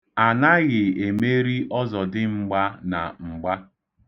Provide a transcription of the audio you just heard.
Anaghị emeri ọzọdịmgba na mgba.